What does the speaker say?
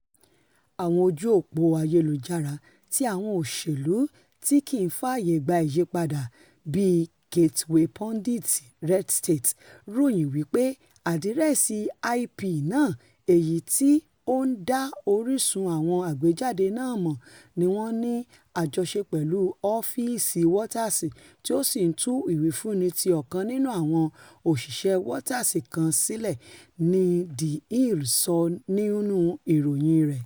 Àwọn ojú-òpò ayelujara ti àwọn òṣèlu tí kìí fààyègba-ìyípadà bíi Gateway Pundit RedState ròyìn wí pé àdírẹ́sì IP náà èyití ó ńdá orísun àwọn àgbéjáde náà mọ̀ ní wọ́n ní àjọṣe pẹ̀lú ọ́fíìsì Waters tí o sì tú ìwífúnni ti ọ̀kan nínú àwọn òsìṣẹ́ Waters kan sílẹ̀, ni The Hill sọ níhú l̀ròyìn rẹ̀.